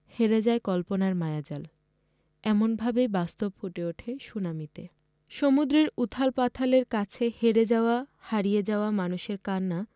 হেরে যায় কল্পনার মায়াজাল এমন ভাবেই বাস্তব ফুটে ওঠে সুনামিতে সমুদ্রের উথাল পাথালের কাছে হেরে যাওয়া হারিয়ে যাওয়া মানুষের কান্না